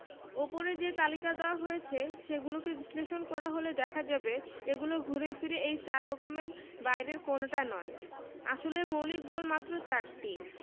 ওপরে যে তালিকা দেওয়া হয়েছে সেগুলোকে বিশ্লেষণ করা হলে দেখা যাবে এগুলো ঘুরে ফিরে এই চার রকমের বাইরে কোনোটা নয় আসলে মৌলিক বল মাত্র চারটি